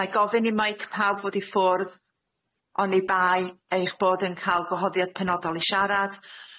Mae gofyn i maic pawb fod i ffwrdd oni bai eich bod yn ca'l gwahoddiad penodol i sharad.